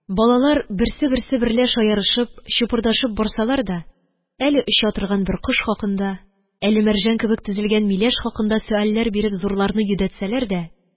Балалар берсе-берсе берлә шаярышып, чупырдашып барсалар да, әле оча торган бер кош хакында, әле мәрҗән кебек тезелгән миләш хакында сөальләр биреп зурларны йөдәтсәләр дә,